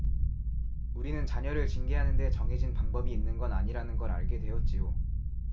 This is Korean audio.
우리는 자녀를 징계하는 데 정해진 방법이 있는 건 아니라는 걸 알게 되었지요